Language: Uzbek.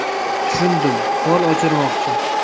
tushundim fol ochirmoqchi